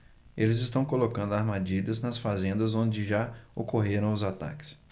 eles estão colocando armadilhas nas fazendas onde já ocorreram os ataques